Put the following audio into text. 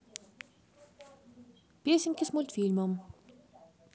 песенки с мультфильмом